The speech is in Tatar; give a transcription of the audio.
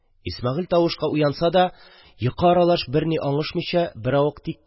Исмәгыйль, тавышка уянса да, йокы аралаш берни аңышмыйча, беравык тик кенә